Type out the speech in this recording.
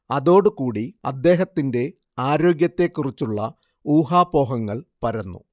അതോടുകൂടി അദ്ദേഹത്തിൻറെ ആരോഗ്യത്തെ കുറിച്ചുള്ള ഊഹാപോഹങ്ങൾ പരന്നു